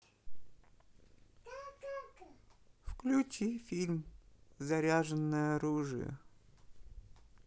включи фильм заряженное оружие